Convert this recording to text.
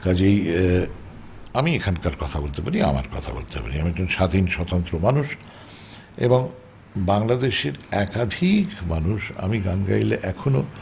কাজেই আমি এখানকার কথা বলতে পারি আমার কথা বলতে পারি আমি একজন স্বাধীন স্বতন্ত্র মানুষ এবং বাংলাদেশ একাধিক মানুষ আমি গান গাইলে এখনো